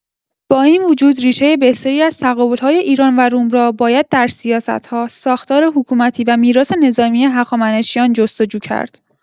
با این وجود، ریشه بسیاری از تقابل‌های ایران و روم را باید در سیاست‌ها، ساختار حکومتی و میراث نظامی هخامنشیان جست‌وجو کرد؛